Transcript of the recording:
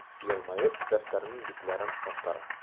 Елмаеп, дәфтәрнең битләрен актара.